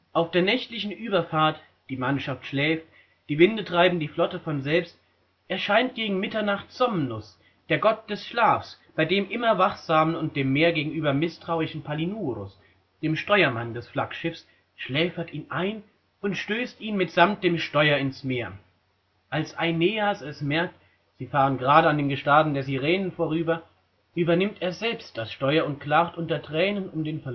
Auf der nächtlichen Überfahrt – die Mannschaft schläft, die Winde treiben die Flotte von selbst – erscheint gegen Mitternacht Somnus, der Gott des Schlafs, bei dem immer wachsamen und dem Meer gegenüber misstrauischen Palinurus, dem Steuermann des Flaggschiffs, schläfert ihn ein und stößt ihn mitsamt dem Steuer ins Meer. Als Aeneas es merkt – sie fahren gerade an den Gestaden der Sirenen vorüber –, übernimmt er selbst das Steuer und klagt unter Tränen um den verlorenen Gefährten